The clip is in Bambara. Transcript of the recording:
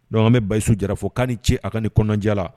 Nmɛ basiyisu jarafo k' ni ce a ka ni kɔnɔnajayara